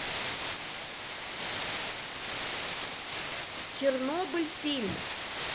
чернобыль фильм